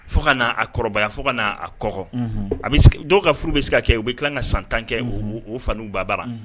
Fo ka a kɔrɔbayaya fo kaa a kɔ a dɔw ka furu bɛ se ka kɛ u bɛ tila ka san tankɛ o fanababa